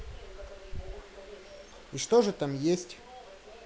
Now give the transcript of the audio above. и что же там есть